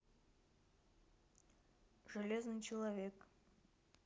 железный человек